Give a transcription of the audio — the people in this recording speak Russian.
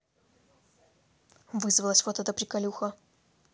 вызвалась вот эта приколюха